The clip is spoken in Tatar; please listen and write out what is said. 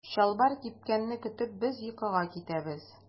Чалбар кипкәнне көтеп без йокыга китәбез.